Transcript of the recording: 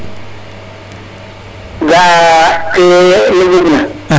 Ga'aa ke i mbugna